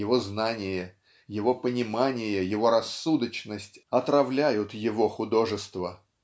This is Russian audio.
Его знание, его понимание, его рассудочность отравляют его художество.